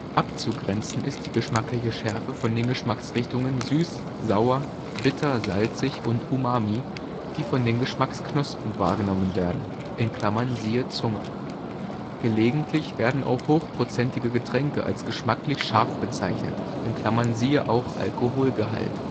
Abzugrenzen ist die geschmackliche Schärfe von den Geschmacksrichtungen süß, sauer, bitter, salzig und umami, die von den Geschmacksknospen wahrgenommen werden (siehe Zunge). Gelegentlich werden auch hochprozentige Getränke als geschmacklich scharf bezeichnet (siehe auch Alkoholgehalt